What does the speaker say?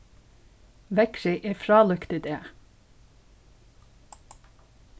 veðrið er frálíkt í dag